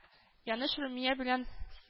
Яныш Румия белән